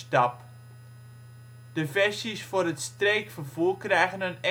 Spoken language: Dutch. voor het streekvervoer krijgen een